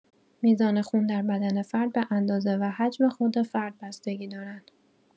میزان خون در بدن فرد به‌اندازه و حجم خود فرد بستگی دارد.